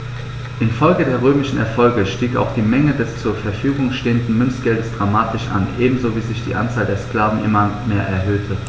Infolge der römischen Erfolge stieg auch die Menge des zur Verfügung stehenden Münzgeldes dramatisch an, ebenso wie sich die Anzahl der Sklaven immer mehr erhöhte.